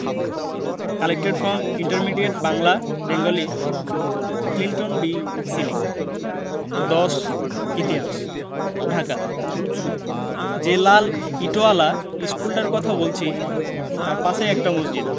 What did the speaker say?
collected from intermediate Bangla Bengali Clinton B Seely ১০ ইতিহাস ঢাকা যে লাল ইটোয়ালা ইশকুলটার কথা বলছি তাই পাশেই একটা মসজিদ